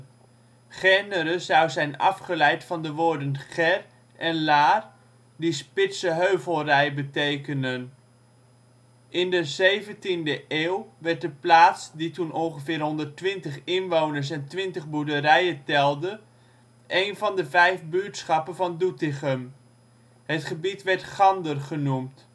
Gernere zou zijn afgeleid van de woorden gér en laar, die " spitse heuvelrij " betekenen. In de zeventiende eeuw werd de plaats, die toen ongeveer 120 inwoners en 20 boerderijen telde, één van de vijf buurtschappen van Doetinchem. Het gebied werd ' Gander ' genoemd